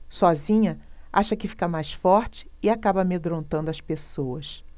sozinha acha que fica mais forte e acaba amedrontando as pessoas